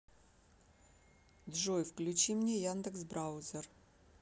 джой включи мне яндекс браузер